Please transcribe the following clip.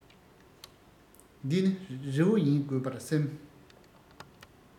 འདི ནི རི བོ ཡིན དགོས པར སེམས